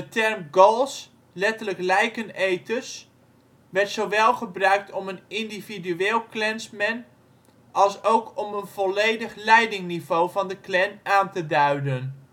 term Ghouls (letterlijk: Lijkeneters) werd zowel gebruikt om een individueel Klansman alsook om een volledig leidingniveau van de Klan aan te duiden